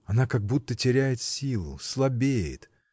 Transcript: Она как будто теряет силу, слабеет.